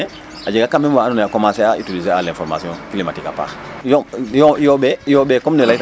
mais a jega cas meme wa andoona yee a commencer a utiliser a l' information climatique a paax yooɓee yooɓee comme